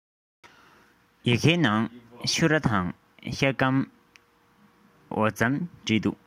ཡི གེའི ནང ཕྱུར ར དང ཤ སྐམ འོ ཕྱེ